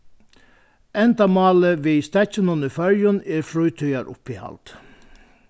endamálið við steðginum í føroyum er frítíðaruppihald